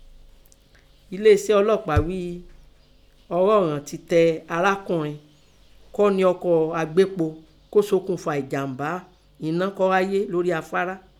Ẹlé isẹ ọlọ́pàá íi ọọ́ ìnọn tẹ tẹ irákùnrin kọ́ nẹ ọkọ̀ agbépo kọ́ sokùnfà ẹ̀jàm̀bá ẹná kọ́ háyé lórí afárá.